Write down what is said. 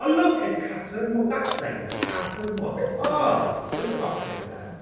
"Oh look! It's Casa Amor, that sign says Casa Amor." "Oh, where's the cocktails then?"